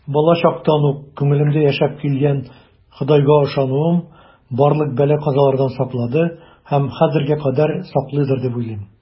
Балачактан ук күңелемдә яшәп килгән Ходайга ышануым барлык бәла-казалардан саклады һәм хәзергә кадәр саклыйдыр дип уйлыйм.